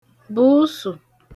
bùusù